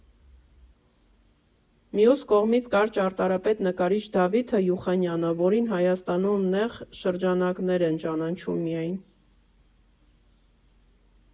Մյուս կողմից՝ կար ճարտարապետ, նկարիչ Դավիթը Յուխանյանը, որին Հայաստանում նեղ շրջանակներ են ճանաչում միայն։